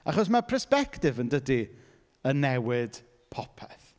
Achos ma' persbectif yn dydi yn newid popeth.